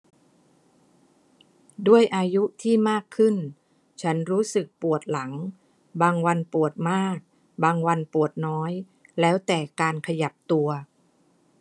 ด้วยอายุที่มากขึ้นฉันรู้สึกปวดหลังบางวันปวดมากบางวันปวดน้อยแล้วแต่การขยับตัว